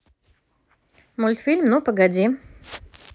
мультфильм ну погоди